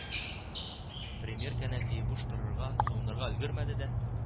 Премьер кәнәфие буш торырга, суынырга өлгермәде дә